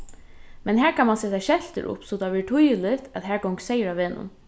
men har kann mann seta skeltir upp so tað verður týðiligt at har gongur seyður á vegnum